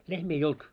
lehmiä ei ollut